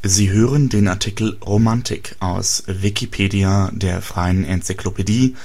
Sie hören den Artikel Romantik, aus Wikipedia, der freien Enzyklopädie